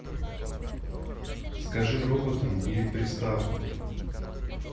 скажи роботом или приставку